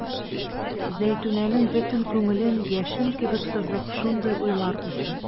Зәйтүнәнең бөтен күңелен яшен кебек сызып шундый уйлар узды.